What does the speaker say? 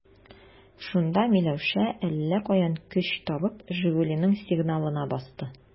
Шунда Миләүшә, әллә каян көч табып, «Жигули»ның сигналына басты.